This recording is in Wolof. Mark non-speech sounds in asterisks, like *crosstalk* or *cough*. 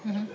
*hesitation* *hesitation*